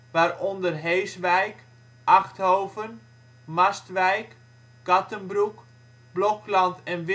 waaronder Heeswijk, Achthoven, Mastwijk, Cattenbroek, Blokland en